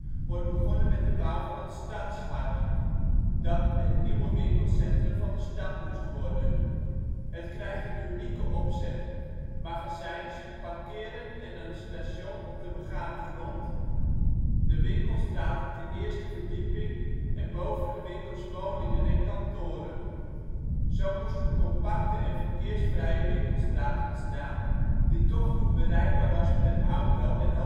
wordt begonnen met de bouw van het stadshart, dat het nieuwe winkelcentrum van de stad moest worden. Het krijgt een unieke opzet: magazijns, parkeren en een station op de begane grond, de winkelstraat op de eerste verdieping en boven de winkels woningen en kantoren. Zo moest een compacte en verkeersvrije winkelstraat ontstaan, die toch goed bereikbaar was per auto en openbaar